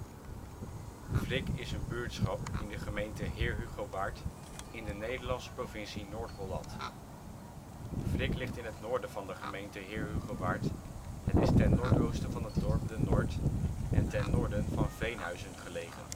Frik is een buurtschap in de gemeente Heerhugowaard in de Nederlandse provincie Noord-Holland. Frik ligt in noorden van de gemeente Heerhugowaard, het is ten noordoosten van het dorp De Noord en ten noorden van Veenhuizen gelegen